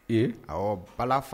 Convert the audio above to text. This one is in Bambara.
Ee a balafa